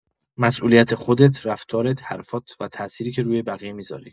مسئولیت خودت، رفتارت، حرفات و تاثیری که روی بقیه می‌ذاری.